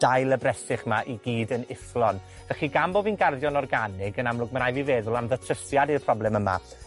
dail y bresych 'ma i gyd yn ufflon. Felly, gan bo' fi'n garddio'n organig yn amlwg, ma' rai fi feddwl am datrysiad i'r problem yma.